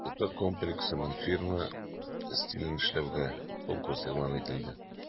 ГТО Комплексының фирма стилен эшләүгә конкурс игълан ителде.